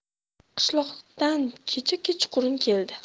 qishloqdan kecha kechqurun keldi